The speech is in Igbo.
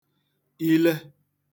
ile